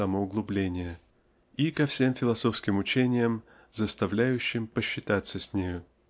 самоуглубления) и ко всем философским учениям заставляющим посчитаться с нею.